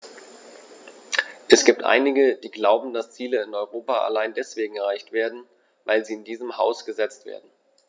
Es gibt einige, die glauben, dass Ziele in Europa allein deswegen erreicht werden, weil sie in diesem Haus gesetzt werden.